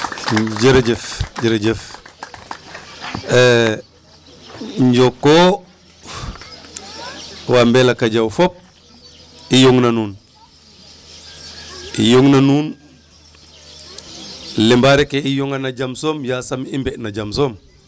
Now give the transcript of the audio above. jerejef jerejef njooko wa Mbelakajaw fop i yongna nuun yongna nuun i mba i yonga no jam soom yaasam i mbe' na jam soom.